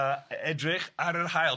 Yy edrych ar yr haul.